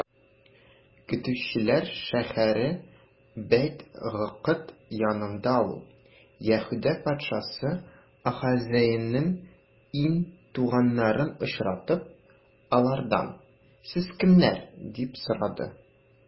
Көтүчеләр шәһәре Бәйт-Гыкыд янында ул, Яһүдә патшасы Ахазеянең ир туганнарын очратып, алардан: сез кемнәр? - дип сорады.